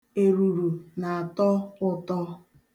Eruru na-atọ ụtọ.